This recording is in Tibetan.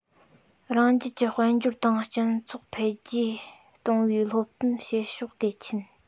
རང རྒྱལ གྱི དཔལ འབྱོར དང སྤྱི ཚོགས འཕེལ རྒྱས གཏོང བའི སློབ སྟོན བྱེད ཕྱོགས གལ ཆེན